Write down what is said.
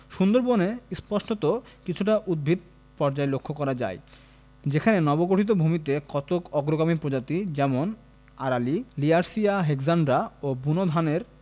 সুন্দরবনে স্পষ্টত কিছুটা উদ্ভিদ পর্যায় লক্ষ্য করা যায় যেখানে নবগঠিত ভূমিতে কতক অগ্রগামী প্রজাতি যেমন আরালি লিয়ার্সিয়া হেক্সান্ড্রা ও বুনো ধানের